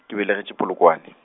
ke belegetšwe Polokwane.